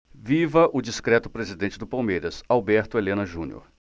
viva o discreto presidente do palmeiras alberto helena junior